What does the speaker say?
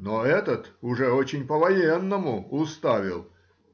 Но этот уже очень по-военному уставил;